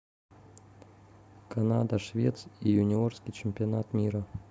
канада швец и юниорский чемпионат мира